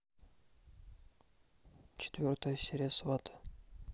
четвертая серия сваты